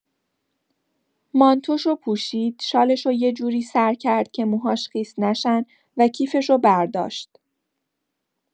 مانتوشو پوشید، شالشو یه‌جوری سر کرد که موهاش خیس نشن و کیفشو برداشت.